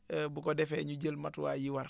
bu ko defee ñu jël matuwaay yi war